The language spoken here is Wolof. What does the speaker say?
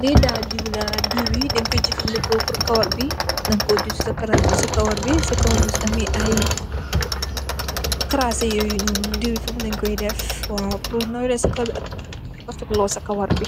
Lee dal deew la deewbe dang koye jufaneku purr kawarr be dang ku deew sesa kawarr be sa kawarr be su ame aye karasee yoyu nonu deewbi fofu leng koye def waw purr noylu sa kawarr be ak refetlu sa kawarr be